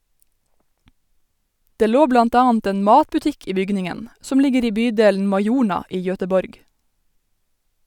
Det lå blant annet en matbutikk i bygningen, som ligger i bydelen Majorna i Göteborg.